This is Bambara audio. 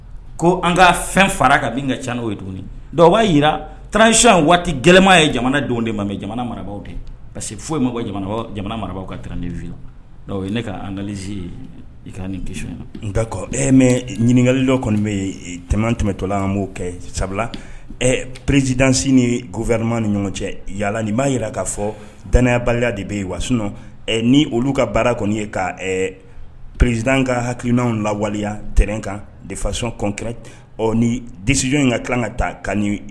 Ko ana jira kasi ɲininkakali dɔ kɔni bɛ tɛmɛ tɛmɛtɔla an' sabula pererizsidsin ni g vma ni ɲɔgɔn cɛ yalala nin b'a jira kaa fɔ danyabaliya de bɛ yen waso ni olu ka baara kɔni ye ka pererizd ka hakilikiinaw lawaleya tren kan de fason kɔn ni desij in ka ka ta ka